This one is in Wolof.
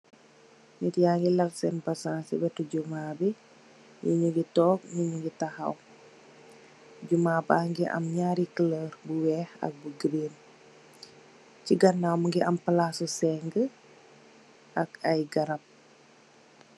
Nit ya ngi lal sèèn basangi si wetti jumaa bi, ñii ngi tóóg ñi ngi taxaw. Jumaa ba ngi am ñaari kulor bu wèèx ak lu green. Ci ganaw mugii am palasi seng ak ay garap.